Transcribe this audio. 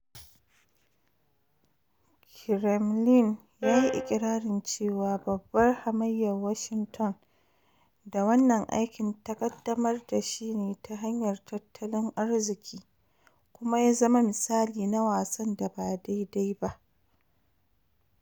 Kremlin ya yi ikirarin cewa babbar hamayya Washington da wannan aikin ta kaddamar da shi ne ta hanyar tattalin arziki kuma ya zama misali na wasan da ba daidai ba.